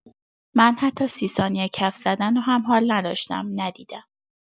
من حتی سی ثانیه کف زدنو هم حال نداشتم، ندیدم.